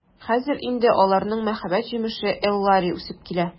Хәзер инде аларның мәхәббәт җимеше Эллари үсеп килә.